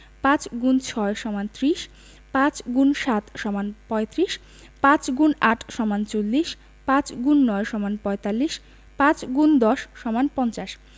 ৫x ৬ = ৩০ ৫× ৭ = ৩৫ ৫× ৮ = ৪০ ৫x ৯ = ৪৫ ৫×১০ = ৫০